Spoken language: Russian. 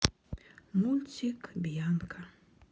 мультик бьянка